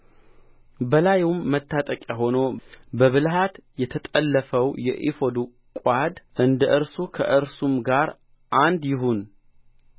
በላዩም መታጠቂያ ሆኖ በብልሃት የተጠለፈው የኤፉድ ቋድ እንደ እርሱ ከእርሱም ጋር አንድ ይሁን